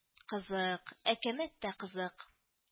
Кызык... Әкәмәт тә кызык